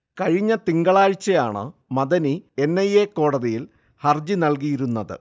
കഴിഞ്ഞ തിങ്കളാഴ്ചയാണ് Madani N. I. A കോടതിയിൽ ഹർജി നൽകിയിരുന്നത്